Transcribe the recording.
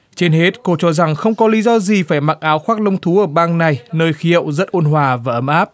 trên hết cô cho rằng không có lý do gì phải mặc áo khoác lông thú ở bang này nơi khí hậu rất ôn hòa và ấm áp